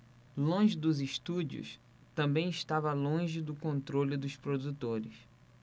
longe dos estúdios também estava longe do controle dos produtores